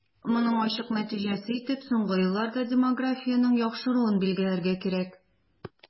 Моның ачык нәтиҗәсе итеп соңгы елларда демографиянең яхшыруын билгеләргә кирәк.